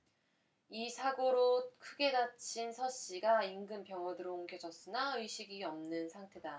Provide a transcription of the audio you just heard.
이 사고로 크게 다친 서씨가 인근 병원으로 옮겨졌으나 의식이 없는 상태다